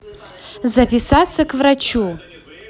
записаться к врачу